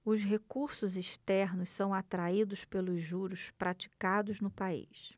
os recursos externos são atraídos pelos juros praticados no país